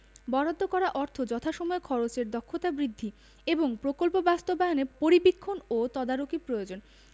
বরাদ্দ করা অর্থ যথাসময়ে খরচের দক্ষতা বৃদ্ধি এবং প্রকল্প বাস্তবায়নে পরিবীক্ষণ ও তদারকি প্রয়োজন